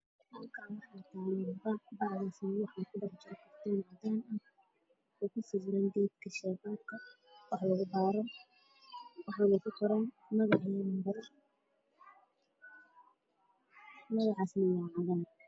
Meeshaan ha iga muuqdo karto dheer ku daaran bacad ku jirto miis dul saaran darbiga dambena waa madow